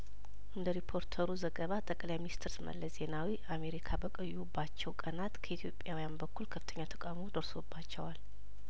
እንደ ሪፖርተሩ ዘገባ ጠቅላይ ሚኒስትር ስመለስ ዜናዊ አሜሪካ በቀዩባቸው ቀናት ከኢትዮጵያውያን በኩል ከፍተኛ ተቃውሞ ደርሶባቸዋል